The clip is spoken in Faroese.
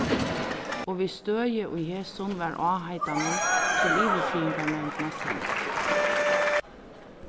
og við støði í hesum varð áheitanin til yvirfriðingarnevndina send